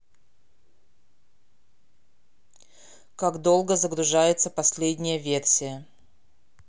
как долго загружается последняя версия